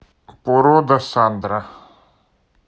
порода сандра